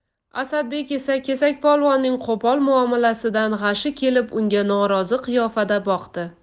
asadbek esa kesakpolvonning qo'pol muomalasidan g'ashi kelib unga norozi qiyofada boqdi